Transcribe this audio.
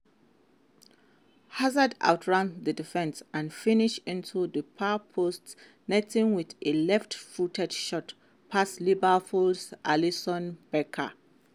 Hazard outran the defense and finished into the far post netting with a left footed shot past Liverpool's Alisson Becker.